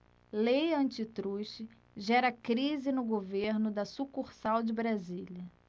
lei antitruste gera crise no governo da sucursal de brasília